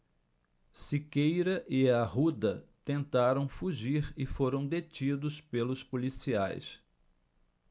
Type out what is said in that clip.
siqueira e arruda tentaram fugir e foram detidos pelos policiais